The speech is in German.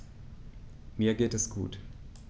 Mir geht es gut.